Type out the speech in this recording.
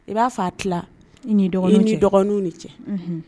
I b'a fɔ a tila dɔgɔnin dɔgɔnin de cɛ